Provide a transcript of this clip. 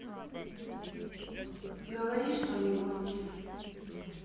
говори что нибудь